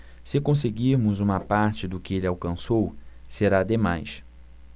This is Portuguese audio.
se conseguirmos uma parte do que ele alcançou será demais